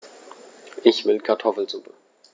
Ich will Kartoffelsuppe.